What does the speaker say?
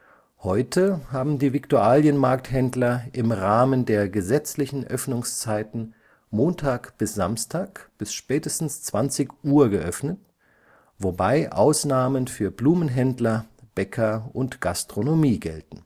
Heute haben die Viktualienmarkthändler im Rahmen der gesetzlichen Öffnungszeiten Montag bis Samstag bis spätestens 20:00 Uhr geöffnet, wobei Ausnahmen für Blumenhändler, Bäcker und Gastronomie gelten